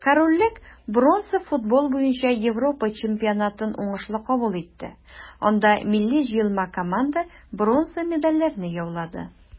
Корольлек бронза футбол буенча Европа чемпионатын уңышлы кабул итте, анда милли җыелма команда бронза медальләрне яулады.